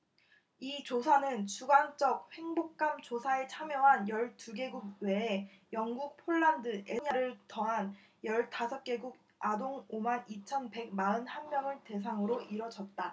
이 조사는 주관적 행복감 조사에 참여한 열 두 개국 외에 영국 폴란드 에스토니아를 더한 열 다섯 개국 아동 오 만 이 천 백 마흔 한 명을 대상으로 이뤄졌다